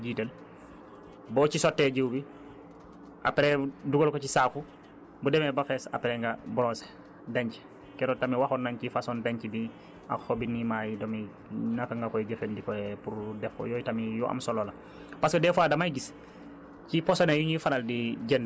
am am na ay par là yu yu weex yoo xamante ne danga ko jiital boo ci sottee jiwu bi après dugal ko ci saaku bu demee ba fees après nga brossé denc keroog tamit waxoon nañ ci façon denc bi ak xobi niimaa yi doom yi naka nga koy jëfandikooyee pour pour def ko yooyu tamit yu am solo la